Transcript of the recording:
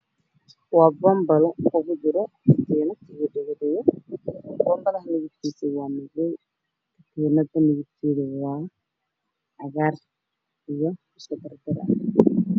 Waa boombale qol kujira midabkiisa waa madow